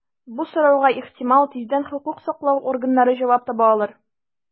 Бу сорауга, ихтимал, тиздән хокук саклау органнары җавап таба алыр.